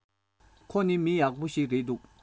ཁོ ནི མི ཡག པོ ཞིག རེད འདུག